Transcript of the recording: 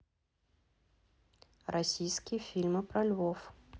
российские фильмы про львов